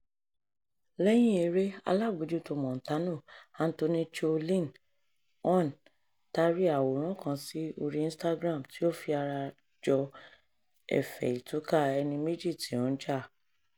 Lẹ́yìn eré, alábòójútó Montano, Anthony Chow Lin On, tari àwòrán kan sí orí Instagram tí ó fi ara jọ ẹ̀fẹ̀ ìtúká ẹni méjì tí ó ń jà: